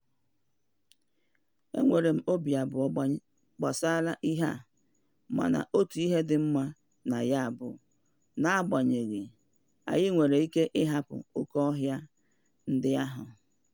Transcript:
Enwere m obi abụọ gbasara ihe a, mana otu ihe dị mma na ya bụ n'agbanyeghị, anyị nwere ike ị hapụ okéọhịa ndị ahụ.